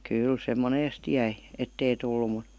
kyllä se monesti jäi että ei tullut mutta